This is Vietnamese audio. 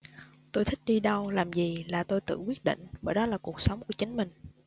tôi thích đi đâu làm gì là tôi tự quyết định bởi đó là cuộc sống của chính mình